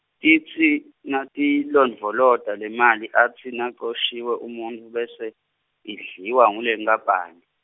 Titsi natiyilondvolota lemali atsi nacoshiwe umuntfu bese idliwa ngulenkapani.